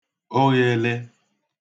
oghēlē